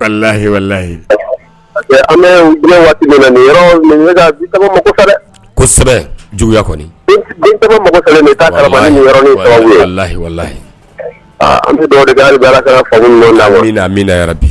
an bɛ lahi bi